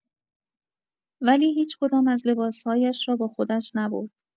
ولی هیچ‌کدام از لباس‌هایش را با خودش نبرد.